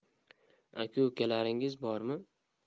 aka ukalaringiz bormi